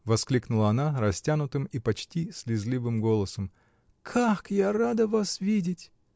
-- воскликнула она растянутым и почти слезливым голосом, -- как я рада вас видеть!